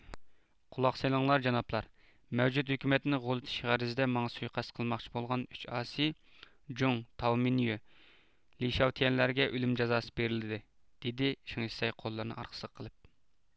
قۇلاق سېلىڭلار جانابلار مەۋجۇت ھۆكۈمەتنى غۇلىتىش غەرىزىدە ماڭا سۇيىقەست قىلماقچى بولغان ئۈچ ئاسىي جۇڭ تاۋمىنيۆ لىشياۋتيەنلەرگە ئۆلۈم جازاسى بېرىلدى دېدى شېڭ شىسەي قوللىرىنى ئارقىسىغا قىلىپ